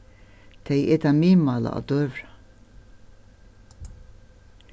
tey eta miðmála á døgurða